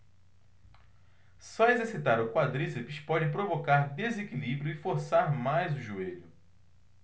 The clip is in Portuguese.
só exercitar o quadríceps pode provocar desequilíbrio e forçar mais o joelho